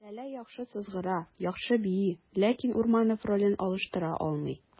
Ләлә яхшы сызгыра, яхшы бии, ләкин Урманов ролен алыштыра алмый.